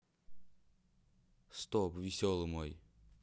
стоп веселый мной